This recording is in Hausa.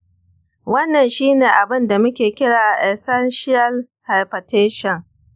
wannan shi ne abin da muke kira essential hypertension.